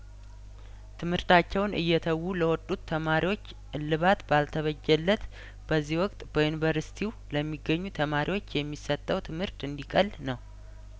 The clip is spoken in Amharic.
ትምህርታቸውን እየተዉ ለወጡት ተማሪዎች እልባትባል ተበጀለት በዚህ ወቅት በዩኒቨርስቲው ለሚገኙ ተማሪዎች የሚሰጠው ትምህርት እንዲቀል ነው